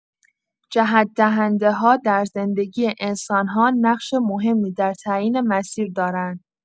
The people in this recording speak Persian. جهت‌دهنده‌ها در زندگی انسان‌ها نقش مهمی در تعیین مسیر دارند.